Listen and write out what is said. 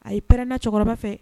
A ye pɛna cɛkɔrɔba fɛ